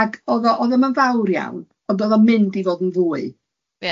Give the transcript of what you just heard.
Ag o'dd o o'dd o'm yn fawr iawn, ond o'dd o'n mynd i fod yn fwy.